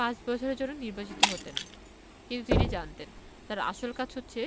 পাঁচ বছরের জন্য নির্বাচিত হতেন কিন্তু তিনি জানতেন তাঁর আসল কাজ হচ্ছে